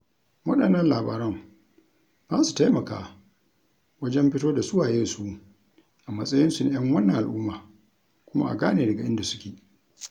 Waɗannan labaran za su taimaka wajen fito da su waye su a matsayinsu na 'yan wannan al'umma kuma a gane daga inda suke.